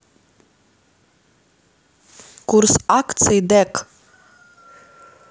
курс акций дэк